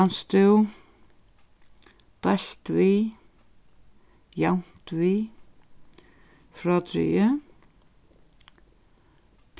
kanst tú deilt við javnt við frádrigið